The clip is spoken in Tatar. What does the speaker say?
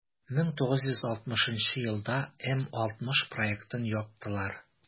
1960 елда м-60 проектын яптылар.